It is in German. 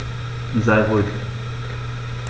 Sei ruhig.